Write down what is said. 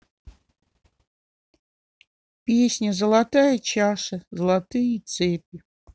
песня золотая чаша золотые цепи